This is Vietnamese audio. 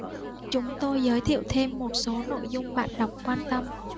chúng tôi giới thiệu thêm một số nội dung bạn đọc quan tâm